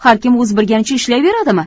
har kim o'z bilganicha ishlayveradimi